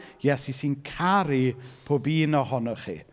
Iesu sy'n caru pob un ohonoch chi.